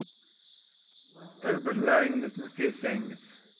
bir birlaringni sevsangiz